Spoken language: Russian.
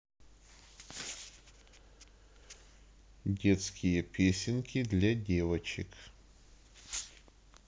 детские песенки для девочек